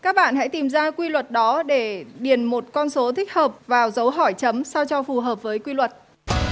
các bạn hãy tìm ra quy luật đó để điền một con số thích hợp vào dấu hỏi chấm sao cho phù hợp với quy luật